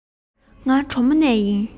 ང གྲོ མོ ནས ཡིན